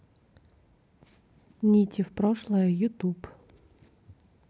нити в прошлое ютуб